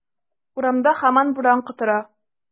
Урамда һаман буран котыра.